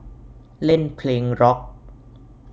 เล่นเพลงร็อค